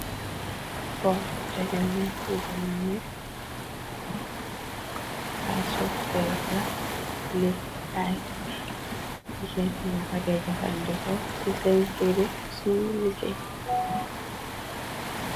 pobu tenane boname b ha sokirla legkikay ji kenn xate jafande ko sesenkire sunu ligge